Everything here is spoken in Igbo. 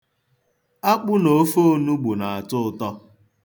Akpụ na ofe onugbu na-atọ ụtọ.